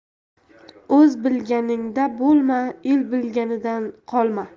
o'z bilganingda bo'lma el bilganidan qolma